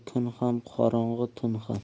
qorong'i tun ham